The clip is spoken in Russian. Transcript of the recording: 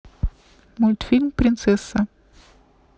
мультфильм принцесса